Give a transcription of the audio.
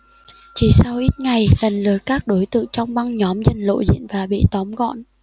chỉ sau ít ngày lần lượt các đối tượng trong băng nhóm dần lộ diện và bị tóm gọn